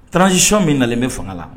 Tranzsiɔn min nalen bɛ fanga la